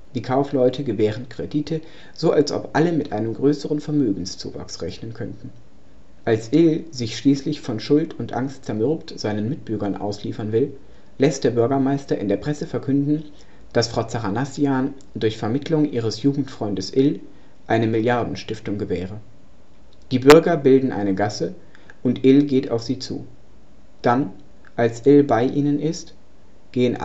die Kaufleute gewähren Kredite, so als ob alle mit einem größeren Vermögenszuwachs rechnen könnten. Als Ill sich schließlich von Schuld und Angst zermürbt seinen Mitbürgern ausliefern will, lässt der Bürgermeister in der Presse verkünden, dass Frau Zachanassian durch Vermittlung ihres Jugendfreundes Ill eine Milliardenstiftung gewähre. Die Bürger bilden eine Gasse und Ill geht auf sie zu. Dann, als Ill bei ihnen ist, gehen alle